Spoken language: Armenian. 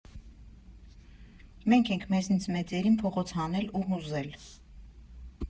Մենք ենք մեզնից մեծերին փողոց հանել ու հուզել։